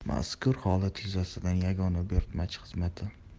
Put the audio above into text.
mazkur holat yuzasidan yagona buyurtmachi xizmati